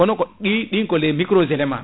hono ko ɗi ɗin ko les micros éléments